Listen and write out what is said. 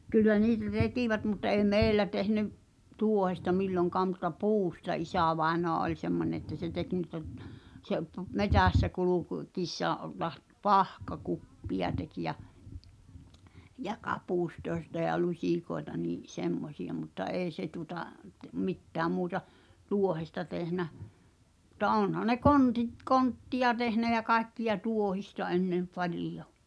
- kyllä niitä tekivät mutta ei meillä tehneet tuohesta milloinkaan mutta puusta isävainaja oli semmoinen että se teki niitä - se - metsässä - kulkiessaan -- pahkakuppeja teki ja ja kapustoita ja lusikoita niin semmoisia mutta ei se tuota - mitään muuta tuohesta tehnyt mutta onhan ne kontit kontteja tehnyt ja kaikkia tuohesta ennen paljon